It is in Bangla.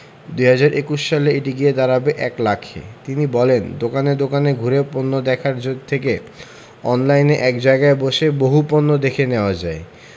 ২০২১ সালে এটি গিয়ে দাঁড়াবে ১ লাখে তিনি বলেন দোকানে দোকানে ঘুরে পণ্য দেখার থেকে অনলাইনে এক জায়গায় বসে বহু পণ্য দেখে নেওয়া যায়